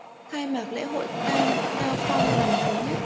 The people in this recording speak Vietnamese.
khai mạc lễ hội cam cao phong lần thứ nhất